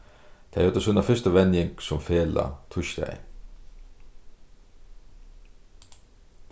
tey høvdu sína fyrstu venjing sum felag týsdagin